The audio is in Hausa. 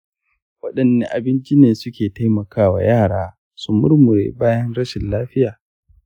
wadanne abinci ne suke taimaka wa yara su murmure bayan rashin lafiya?